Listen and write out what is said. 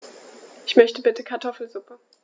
Ich möchte bitte Kartoffelsuppe.